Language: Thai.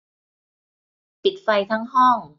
ปิดไฟทั้งห้อง